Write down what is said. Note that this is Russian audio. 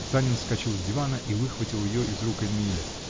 Санин вскочил с дивана и выхватил ее из рук Эмиля.